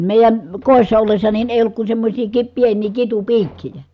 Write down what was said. meidän kodissa ollessa niin ei ollut kuin semmoisia - pieniä kitupiikkejä